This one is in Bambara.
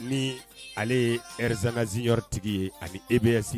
Ni ale ye air Zana junior tigi ye ani EBS